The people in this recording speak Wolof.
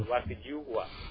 bu wax si jiwu quoi